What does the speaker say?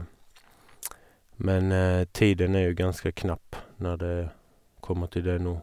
Men tiden er jo ganske knapp når det kommer til det nå.